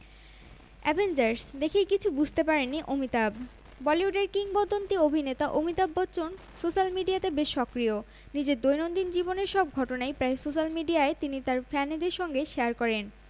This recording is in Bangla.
আমাকে যখন বলা হলো মডেল হতে তখন বেশ আগ্রহ নিয়েই রাজি হই